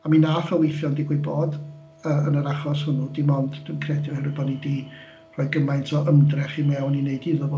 A mi wnaeth o weithio yn digwydd bod yn yr achos hwnnw, dim ond dwi'n credu oherwydd bod ni wedi rhoi gymaint o ymdrech i mewn i wneud iddo fo.